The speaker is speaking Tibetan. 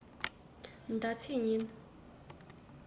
ཟླ ཚེས ཉིན